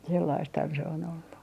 sellaistahan se on ollut